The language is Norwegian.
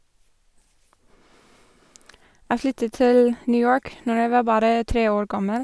Jeg flyttet til New York når jeg var bare tre år gammel.